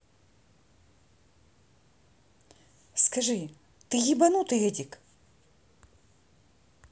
скажи ты ебанутый эдик